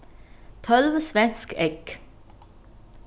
tólv svensk egg